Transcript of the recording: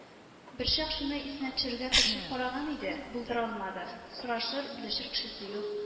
Берчак шуны исенә төшерергә тырышып караган иде, булдыра алмады, сорашыр, белешер кешесе юк